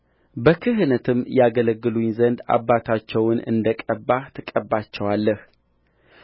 በክህነትም ያገለግሉኝ ዘንድ አባታቸውን እንደ ቀባህ ትቀባቸዋለህ